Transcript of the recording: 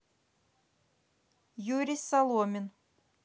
юрий соломин